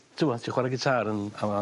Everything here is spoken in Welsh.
t'mod ti chware gitâr yn amal...